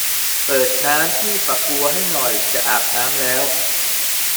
เปิดน้ำที่ฝักบัวให้หน่อยจะอาบน้ำแล้ว